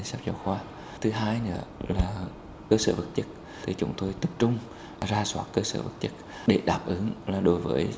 sách giáo khoa thứ hai nữa là sở vật chất thấy chúng tôi tập trung rà soát cơ sở vật chất để đáp ứng là đối với